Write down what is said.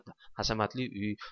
hashamatli uy